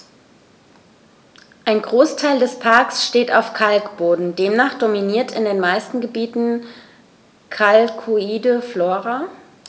Ein Großteil des Parks steht auf Kalkboden, demnach dominiert in den meisten Gebieten kalkholde Flora.